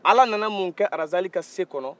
ala nana mun kɛ razali ka se kɔnɔ